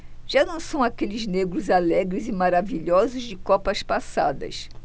já não são aqueles negros alegres e maravilhosos de copas passadas